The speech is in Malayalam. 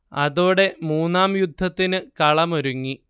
അതോടെ മൂന്നാം യുദ്ധത്തിന് കളം ഒരുങ്ങി